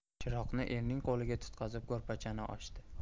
chiroqni erining qo'liga tutqazib ko'rpachani ochdi